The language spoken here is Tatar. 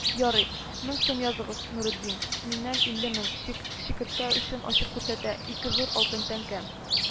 Ярый, мең сум языгыз Нуретдин. Миннән илле мең.чи Чикерткә учын ачып күрсәтә: ике зур алтын тәңкә